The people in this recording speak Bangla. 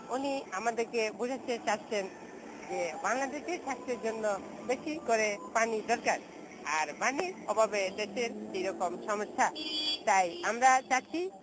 উনি আমাদেরকে বুঝাতে চাচ্ছেন যে বাংলাদেশি স্বাস্থ্যের জন্য বেশি করে পানি দরকার আর পানির অভাবে দেশের যে রকম সমস্যা তাই আমরা চাচ্ছি